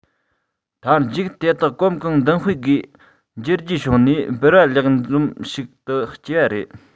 མཐར མཇུག དེ དག གོམ གང མདུན སྤོས སྒོས འགྱུར བརྗེ བྱུང ནས སྦུར པ ལེགས འཛོམས ཤིག ཏུ སྐྱེ བ རེད